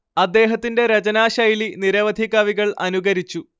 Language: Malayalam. അദ്ദേഹത്തിന്റെ രചനാശൈലി നിരവധി കവികൾ അനുകരിച്ചു